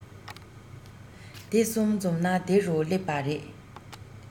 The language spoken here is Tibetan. དེ གསུམ འཛོམས ན དེ རུ སླེབས པ རེད